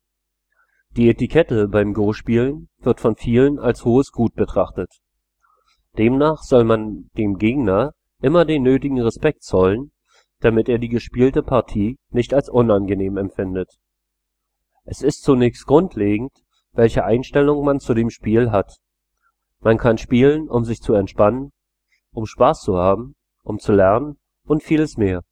Die Etikette beim Go-Spielen wird von vielen als hohes Gut betrachtet. Demnach soll man dem Gegner immer den nötigen Respekt zollen, damit er die gespielte Partie nicht als unangenehm empfindet. Es ist zunächst grundlegend, welche Einstellung man zu dem Spiel hat. Man kann spielen, um sich zu entspannen, um Spaß zu haben, um zu lernen und vieles mehr